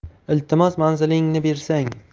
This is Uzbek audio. iltimos manzilingizni bersang